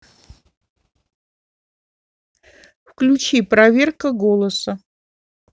включи проверка голоса